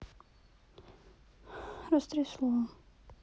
растрясло